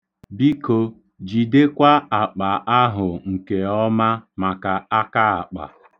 Biko, jidekwa akpa ahụ nke ọma maka akaakpa.